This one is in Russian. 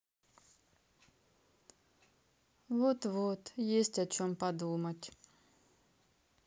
вот вот есть о чем подумать